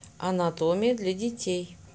анатомия для детей